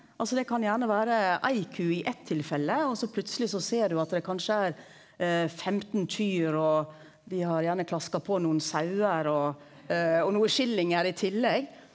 altså det kan gjerne vere ei ku i eitt tilfelle og så plutseleg så ser du at det kanskje er 15 kyr og dei har gjerne klaska på nokon sauer og og nokon skillingar i tillegg.